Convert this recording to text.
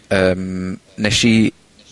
yym nesh i